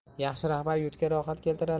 yaxshi rahbar yurtga rohat keltirar